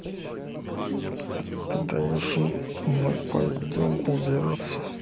ты даешь мы пойдем убираться